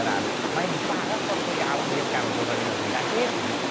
yr ardd. Mae'n farathon go iawn i'r garddwr ar hyn o bryd a heddi,